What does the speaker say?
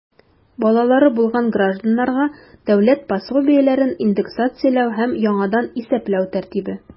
Балалары булган гражданнарга дәүләт пособиеләрен индексацияләү һәм яңадан исәпләү тәртибе.